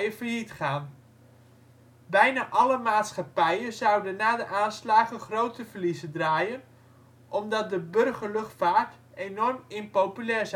failliet gaan. Bijna alle maatschappijen zouden na de aanslagen grote verliezen draaien, omdat de burgerluchtvaart enorm impopulair